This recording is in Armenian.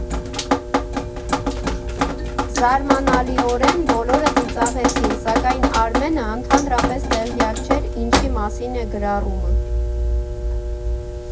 Զարմանալիորեն բոլորը ծիծաղեցին, սակայն Արմենը ընդհանրապես տեղյակ չէր՝ ինչի մասին է գրառումը։